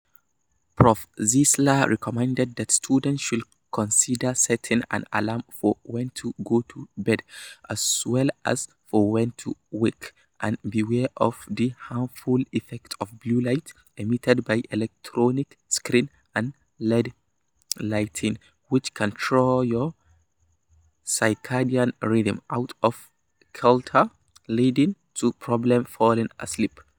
Prof Czeisler recommended that students should consider setting an alarm for when to go to bed, as well as for when to wake, and be aware of the harmful effects of 'blue light' emitted by electronic screens and LED lighting, which can throw your circadian rhythm out of kilter, leading to problems falling asleep.